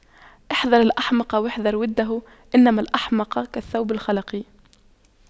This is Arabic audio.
احذر الأحمق واحذر وُدَّهُ إنما الأحمق كالثوب الْخَلَق